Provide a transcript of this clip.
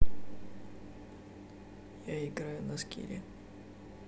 я играю на скиле